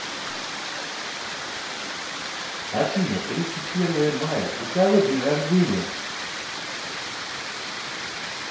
афина тридцать первое мая у кого день рождения